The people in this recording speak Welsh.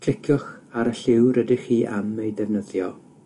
Cliciwch ar y lliw rydych chi am ei defnyddio